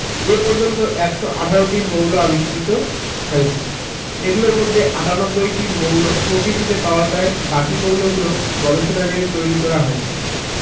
এ পর্যন্ত ১১৮টি মৌল আবিষ্কৃত হয়েছে এগুলোর মধ্যে ৯৮টি মৌল প্রকৃতিতে পাওয়া যায় বাকি মৌলগুলো গবেষণাগারে তৈরি করা হয়েছে